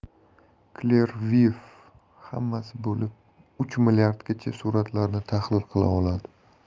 clearview hammasi bo'lib uch milliardgacha suratlarni tahlil qila oladi